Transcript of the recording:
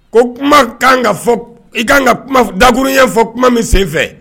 Ko kuma ka ka fɔ, i ka kan dakurunya fɔ kuma min senfɛ